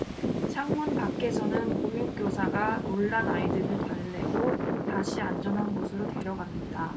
창문 밖에서는 보육교사가 놀란 아이들을 달래고 다시 안전한 곳으로 데려갑니다